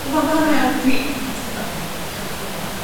...rwbath arall. Dwi dwi'n cytuno gyfun gyfan gwbwl efo...